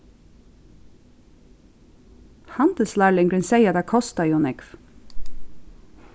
handilslærlingurin segði at tað kostaði ov nógv